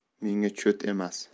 menga cho't emas